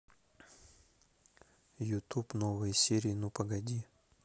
ютуб новые серии ну погоди